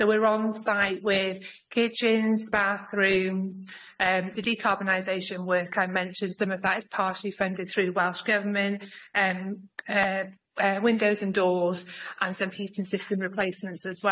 so we're on site with kitchens bathrooms and the decarbonisation work I mentioned, some of that is partially funded through Welsh Government and windows and doors and some heating system replacements as well.